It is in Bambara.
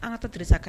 An ka taa